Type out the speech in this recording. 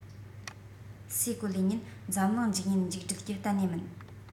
སའི གོ ལའི ཉིན འཛམ གླིང འཇིག ཉིན མཇུག བསྒྲིལ རྒྱུ གཏན ནས མིན